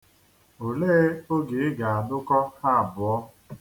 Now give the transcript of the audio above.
Olee oge ị ga-adụkọ ha abụọ.